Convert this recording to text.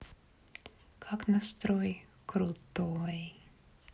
как настрой крутой